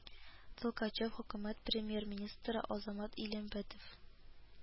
Толкачев, Хөкүмәт Премьерминистры Азамат Илембәтов